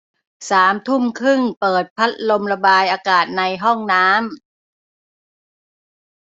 สามทุ่มครึ่งเปิดพัดลมระบายอากาศในห้องน้ำ